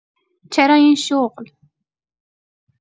چرا این شغل؟